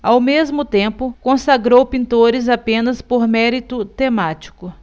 ao mesmo tempo consagrou pintores apenas por mérito temático